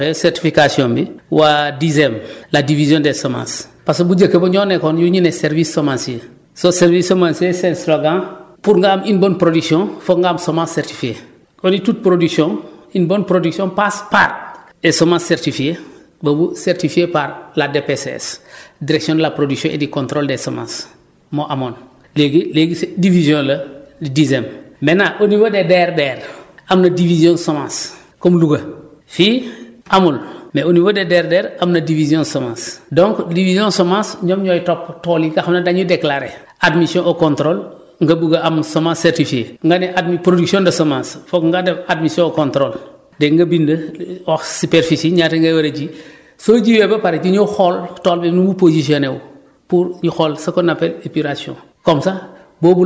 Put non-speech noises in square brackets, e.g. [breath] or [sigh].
bon comme nu ma ko waxee certification bi waa Disem la division des semences parce que bu njëkk ba ñoo nekkoon yu ñu ne service semencier sa service semencier seen slogan pour nga am une bonne production foog nga am semence certifiée on dit toute production une bonne production passe par les semences certifiées ba bu certifiée par la DPCS [breath] direction de production et du contôle des semences moo amoon léegi léegi c' est division la Disem maintanant au niveau des DRDR am na division semence comme Louga fii amul mais au niveau des DRDR am na division semence donc division semence ñoom ñooy topp tool yi nga xam ne dañuy déclaré admission au contôle nga bëgg a am semence certifiée nga ne admis production de de semence foog nga def admission au contrôle de nga bind [hesitation] hors superficie ñaata ngay war a ji [breath] soo jiyee ba pare dañuy xool tool bi num positionné pour ñu xool ce qu' on appelle épuration